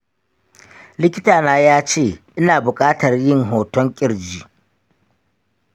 likitana ya ce ina buƙatar yin hoton ƙirji.